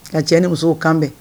Ka cɛ ni musow kanbɛn